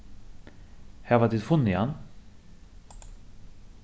hava tit funnið hann